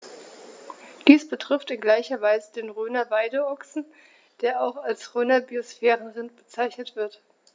Dies betrifft in gleicher Weise den Rhöner Weideochsen, der auch als Rhöner Biosphärenrind bezeichnet wird.